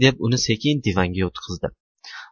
deb uni sekin divanga o'tqazdi